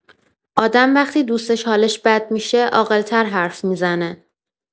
آدم وقتی دوستش حالش بد می‌شه، عاقل‌تر حرف می‌زنه.